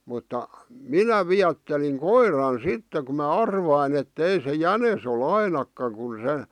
mutta minä viettelin koiran sitten kun minä arvasin että ei se jänis ole ainakaan kun se